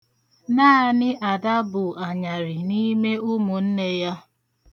Naanị Ada bụ anyarị n'ime ụmụnne ya.